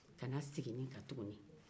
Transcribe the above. kana segin nin kan tuguni